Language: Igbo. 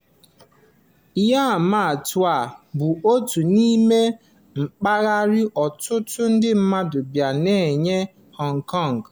Yau Ma Tei bụ otu n'ime mpaghara ọtụtụ ndị mmadụ bi na ya na Hong Kong.